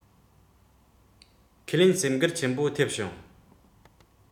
ཁས ལེན སེམས འགུལ ཆེན པོ ཐེབས བྱུང